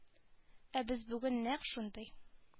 Ә без бүген нәкъ шундый